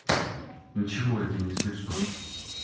ничего это не смешно